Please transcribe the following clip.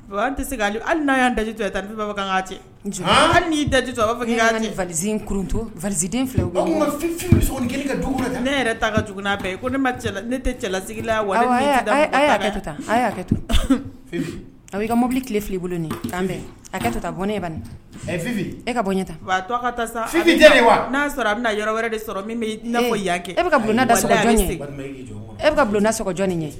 An tɛ se' hali n'a'an daji to ye ta bɛ cɛ'i daji vz kurutu v filɛ ne yɛrɛ ta ka j ne ne tɛ cɛlalasigi la wa a' ka mobili tile fili bolo tan bɛn bɔn ne e ka tɔgɔ taa sa n'a sɔrɔ a bɛ yɔrɔ wɛrɛ de sɔrɔ min n fɔ yan kɛ e bɛ ka bulon da e ka bulonna sɔgɔ jɔnni ye